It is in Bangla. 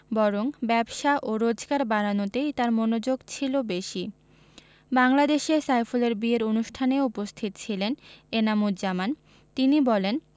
বরং ব্যবসা ও রোজগার বাড়ানোতেই তাঁর মনোযোগ ছিল বেশি বাংলাদেশে সাইফুলের বিয়ের অনুষ্ঠানেও উপস্থিত ছিলেন এনাম উজজামান তিনি বলেন